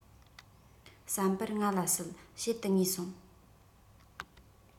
བསམ པར ང ལ སྲིད ཕྱེད དུ ངུས སོང